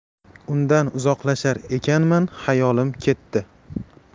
undan uzoqlashar ekanman xayolim ketdi